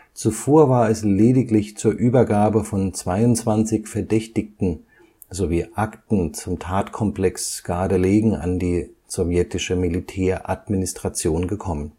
Zuvor war es lediglich zur Übergabe von 22 Verdächtigten sowie Akten zum Tatkomplex Gardelegen an die sowjetische Militäradministration gekommen